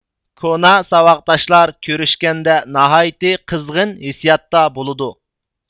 كونا ساۋاقداشلار كۆرۈشكەندە ناھايىتى قىزغىن ھېسسىياتتا بولىدۇ